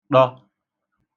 to